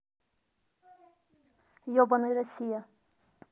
ебаный россия